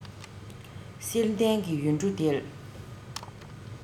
བསིལ ལྡན གྱི ཡུལ གྲུ འདིར